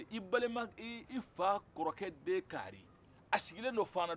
i balima i fa kɔrɔkɛ den kaari a sigilen don fana